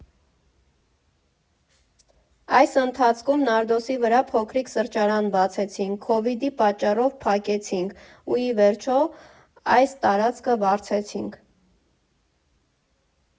Այս ընթացքում Նար֊Դոսի վրա փոքրիկ սրճարան բացեցինք, քովիդի պատճառով փակեցինք, ու, ի վերջո, այս տարածքը վարձեցինք։